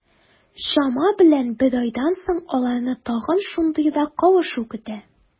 Чама белән бер айдан соң, аларны тагын шушындыйрак кавышу көтә.